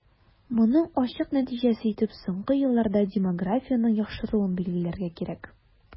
Моның ачык нәтиҗәсе итеп соңгы елларда демографиянең яхшыруын билгеләргә кирәк.